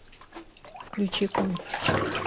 включи конь